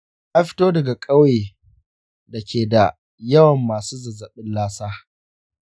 na fito daga ƙauye da ke da yawan masu zazzabin lassa.